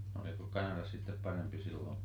oliko Kanada sitten parempi silloin